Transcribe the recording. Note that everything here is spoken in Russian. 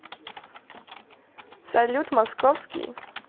салют московский